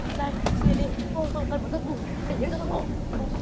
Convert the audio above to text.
đây chia đi thôi tôi cần một giấc ngủ để yên cho tôi ngủ